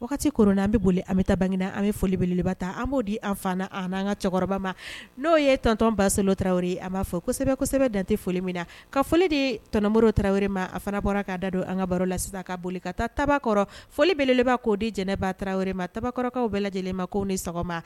Wagati kɔnɔna na an bɛ boli an bɛ ta bangna an bɛ folibeleba ta an b'o di a fana ani' an ka cɛkɔrɔba ma n'o ye tɔntɔn baselo tarawele a b'a fɔ kosɛbɛsɛbɛ dantɛ foli min na ka foli de tɔnɔmo tarawele ma a fana bɔra k kaa da don an ka baro la sisan ka boli ka taa takɔrɔ folibeleba k'o di jɛnɛba tarawele ma takɔrɔkaw bɛɛ lajɛlen ma ko ni sɔgɔma